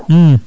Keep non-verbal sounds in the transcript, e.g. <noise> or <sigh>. <smacks lips>